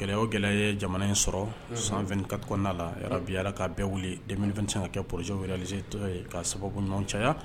Gɛlɛya o gɛlɛya yee jamana in sɔrɔ san 24 kɔɔna la yarabi Ala k'a bɛɛ wili 2021 ka kɛ projet u réaliser tɔ ye ka sababu ɲumanw caya